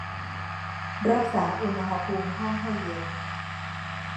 รักษาอุณหภูมิห้องให้เย็น